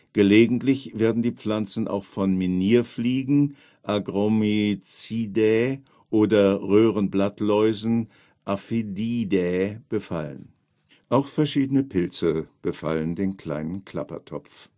Gelegentlich werden die Pflanzen auch von Minierfliegen (Agromyzidae) oder Röhrenblattläusen (Aphididae) befallen. Verschiedene Pilze befallen den Kleinen Klappertopf